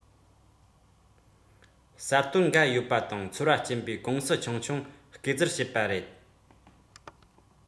གསར གཏོད འགའ ཡོད པ དང ཚོར བ སྐྱེན པའི ཀུང སི ཆུང ཆུང སྐེ བཙིར བྱེད པ རེད